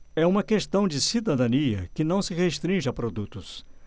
é uma questão de cidadania que não se restringe a produtos